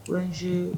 Toz